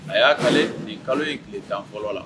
A y'a kale nin kalo in tile tan fɔlɔ la.